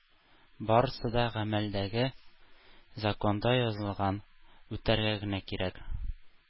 Барысы да гамәлдәге законда язылган, үтәргә генә кирәк.